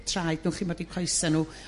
traed nhw chi'mod 'u coese nhw